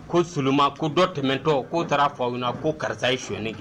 Ko seulement ko dɔ tɛmɛntɔ k'o taara fɔ aw ɲɛna ko karisa ye sonyali kɛ.